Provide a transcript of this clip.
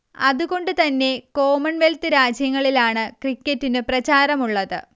അതുകൊണ്ടുതന്നെ കോമൺവെൽത്ത് രാജ്യങ്ങളിലാണ് ക്രിക്കറ്റിനു പ്രചാരമുള്ളത്